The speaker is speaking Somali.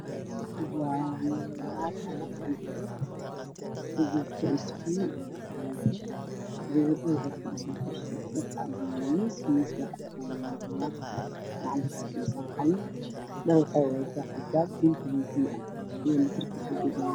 Waa gabar kursi ku fadhido oo wax qoraysa gacanta qaran ay ku haysaa xijaab madow ayay wadataa midabkeeda waa madow